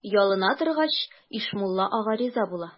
Ялына торгач, Ишмулла ага риза була.